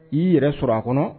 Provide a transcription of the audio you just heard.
I yɛrɛ sɔrɔ a kɔnɔ